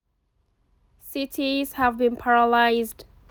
Cities have been paralyzed